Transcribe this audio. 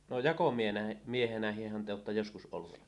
no jakomiehenäkin te olette joskus ollut